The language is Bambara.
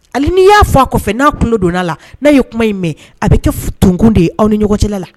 Hali n'i y'a fa a kɔfɛ n'a tulo donna la n'a ye kuma in mɛn a bɛ kɛ tkun de ye aw ni ɲɔgɔnjɛ la